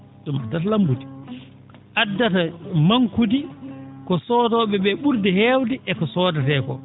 ?um addata lambude addata manque ude ko soodoo?e ?ee ?urde heewde e ko sodetee ko